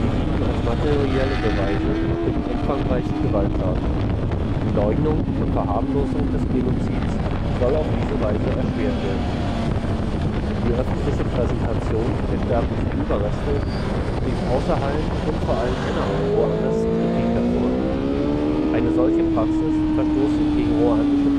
dienen als materielle Beweise für die umfangreichen Gewalttaten. Die Leugnung und Verharmlosung des Genozids soll auf diese Weise erschwert werden. Die öffentliche Präsentation der sterblichen Überreste rief außerhalb und vor allem innerhalb Ruandas Kritik hervor. Eine solche Praxis verstoße gegen ruandische